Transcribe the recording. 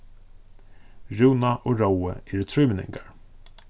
rúna og rói eru trímenningar